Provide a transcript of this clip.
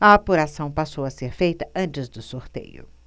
a apuração passou a ser feita antes do sorteio